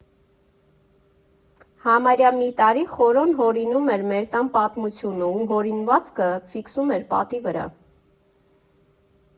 Համարյա մի տարի Խորոն հորինում էր մեր տան պատմությունը ու հորինվածքը ֆիքսում պատի վրա։